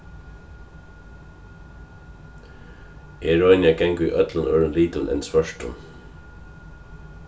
eg royni at ganga í øllum øðrum litum enn svørtum